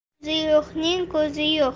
yuzi yo'qning ko'zi yo'q